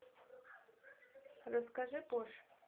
расскажи пош